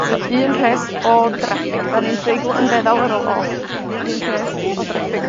So un rhes o draffig 'dan ni'n treiglo yn feddal ar ôl o. Un rhes o draffig.